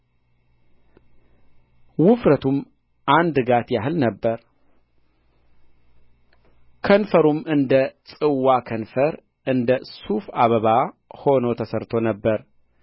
ውፍረቱም አንድ ጋት ያህል ነበረ ከንፈሩም አንደ ጽዋ ከንፈር እንደ ሱፍ አበባ ሆኖ ተሠርቶ ነበር